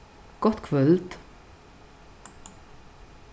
gott kvøld